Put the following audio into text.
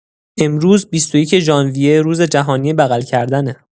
امروز ۲۱ ژانویه، روز جهانی بغل کردنه!